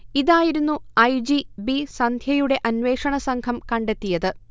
ഇതായിരുന്നു I. G. B സന്ധ്യയുടെ അന്വേഷണസംഘം കണ്ടത്തിയത്